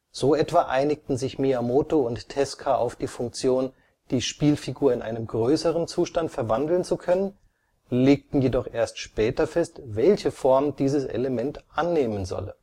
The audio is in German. So etwa einigten sich Miyamoto und Tezuka auf die Funktion, die Spielfigur in einen größeren Zustand verwandeln zu können, legten jedoch erst später fest, welche Form dieses Element annehmen solle